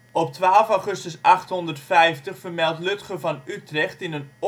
Op 12 augustus 850 vermeldt Ludger van Utrecht in een oorkonde